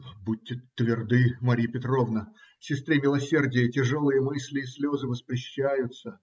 - Будьте тверды, Марья Петровна, сестре милосердия тяжелые мысли и слезы воспрещаются.